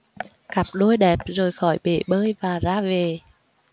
cặp đôi đẹp rời khỏi bể bơi và ra về